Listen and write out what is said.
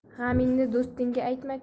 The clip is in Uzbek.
g'amingni do'stingga aytma